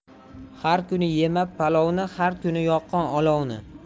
har kuni yema palovni har kuni yoqqin olovni